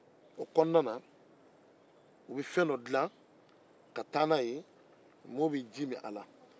o kɔnɔna na u bɛ fɛn dɔ dilan ka taa n'a ye mɔgɔw bɛ ji min a la